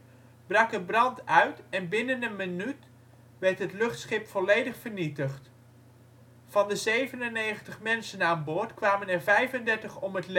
brak er brand uit en binnen een minuut werd het luchtschip volledig vernietigd. Van de 97 mensen aan boord kwamen er 35 om het leven